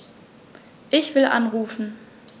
Ich will anrufen.